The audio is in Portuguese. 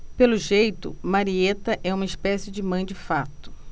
pelo jeito marieta é uma espécie de mãe de fato